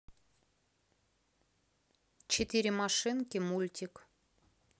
четыре машинки мультик